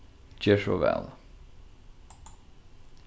ger so væl